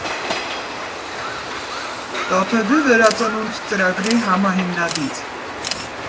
«Տաթևի վերածնունդ» ծրագրի համահիմնադիր։